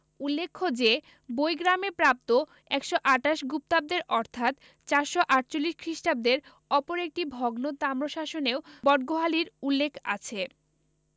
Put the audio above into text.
উল্লেখ্য যে বৈগ্রামে প্রাপ্ত ১২৮ গুপ্তাব্দের অর্থাৎ ৪৪৮ খ্রিস্টাব্দের অপর একটি ভগ্ন তাম্রশাসনেও বটগোহালীর উল্লেখ আছে